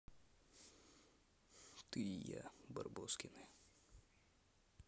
ты и я барбоскины